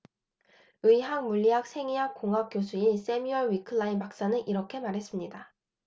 의학 물리학 생의학 공학 교수인 새뮤얼 위클라인 박사는 이렇게 말했습니다